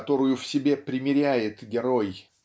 которую в себе примиряет герой